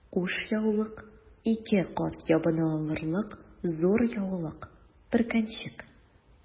Кушъяулык— ике кат ябына алырлык зур яулык, бөркәнчек...